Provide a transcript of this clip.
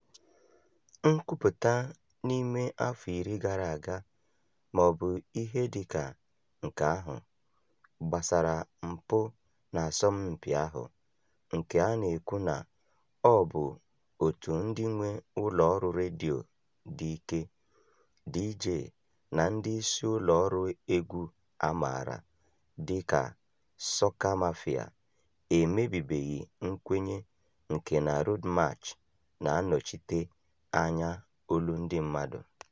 Nkwupụta n'ime afọ iri gara aga ma ọ bụ ihe dị ka nke ahụ gbasara mpụ n'asọmpi ahụ — nke a na-ekwu na ọ bụ òtù ndị nwe ụlọ ọrụ redio dị ike, DJ na ndị isi ụlọ ọrụ egwu a maara dị ka "sọka mafia" — emebibeghị nkwenye nke na Road March na-anọchite anya olu ndị mmadụ.